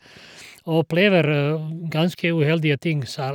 Og opplever ganske uheldige ting sær...